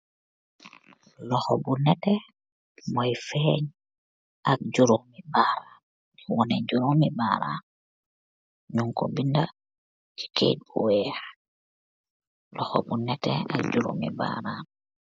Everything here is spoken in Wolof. Loho bu nehteh moui fehynn ak juromi baram nyeko bendaa ce kehyitt bu weeh, loho bu nehteh ak juromi baram.